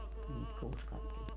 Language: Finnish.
viisi kuusi kaikkiaan